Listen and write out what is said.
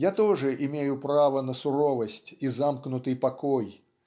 я тоже имею право на суровость и замкнутый покой